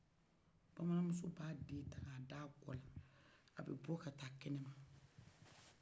bamanan muso b'a den ta ka d'a k'a d'a kɔla a bɛ bɔ kataa kɛnɛma